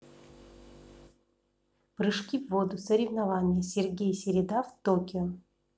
прыжки в воду соревнования сергей середа в токио